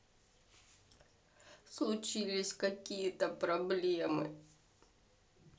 случились какие то проблемы